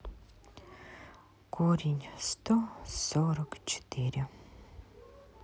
корень сто сорок четыре